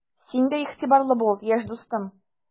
Син дә игътибарлы бул, яшь дустым!